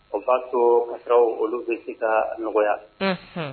O b'a to kasaraw olu bɛ se ka nɔgɔya, unhun